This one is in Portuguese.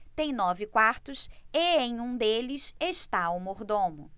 tem nove quartos e em um deles está o mordomo